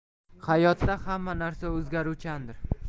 hayotda hamma narsa o'zgaruvchandir